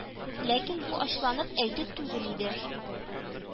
Ләкин бу ачуланып әйтү түгел иде